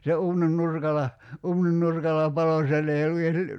se uunin nurkalla uunin nurkalla paloi siellä ei ollut edes -